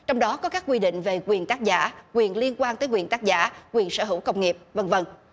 trong đó có các quy định về quyền tác giả quyền liên quan tới quyền tác giả quyền sở hữu công nghiệp vân vân